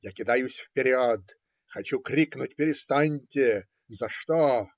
Я кидаюсь вперед, хочу крикнуть: "перестаньте! за что?"